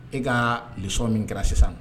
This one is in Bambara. E ka kan ka leçon min kalan sisan.